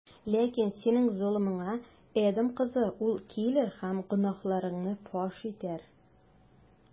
Ләкин синең золымыңа, Эдом кызы, ул килер һәм гөнаһларыңны фаш итәр.